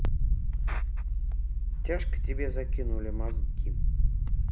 тяжко тебе закинули мозги